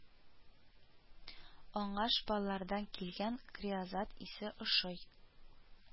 Аңа шпаллардан килгән креозат исе ошый